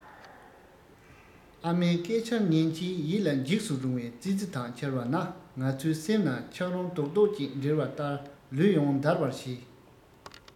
ཨ མའི སྐད ཆར ཉན གྱིན ཡིད ལ འཇིགས སུ རུང བའི ཙི ཙི དག འཆར བ ན ང ཚོའི སེམས ན ཆབ རོམ རྡོག རྡོག གཅིག འགྲིལ བ ལྟར ལུས ཡོངས འདར བར བྱས